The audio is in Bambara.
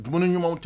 Dumuni ɲumanw tɛ